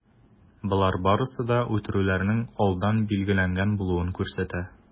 Болар барысы да үтерүләрнең алдан билгеләнгән булуын күрсәтә.